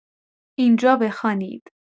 اینجا بخوانید